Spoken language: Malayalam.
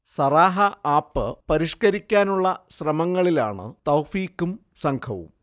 സറാഹ ആപ്പ് പരിഷ്കരിക്കാനുള്ള ശ്രമങ്ങളിലാണ് തൗഫീഖും സംഘവും